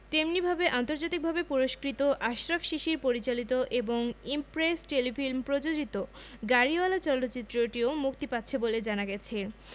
তেমনিভাবে আন্তর্জাতিকভাবে পুরস্কৃত আশরাফ শিশির পরিচালিত এবং ইমপ্রেস টেলিফিল্ম প্রযোজিত গাড়িওয়ালা চলচ্চিত্রটিও মুক্তি পাচ্ছে বলে জানা গেছে